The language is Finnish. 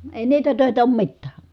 ei niitä töitä ole mitään